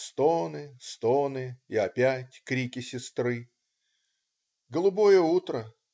Стоны, стоны и опять крики сестры. Голубое утро.